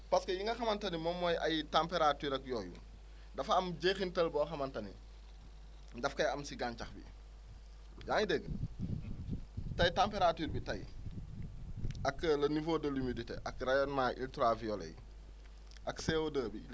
parce que yi nga xamante ne moom mooy ay températures ak yooyu dafa am jeexintal boo xamante ne daf koy am si gàncax bi yaa ngi dégg tey température bi tey akle niveau de l' humidité ak rayonnement ultras violet yi ak CO2 bi